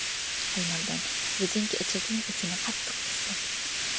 alimardon rezinka ichakning uchini qattiq qisdi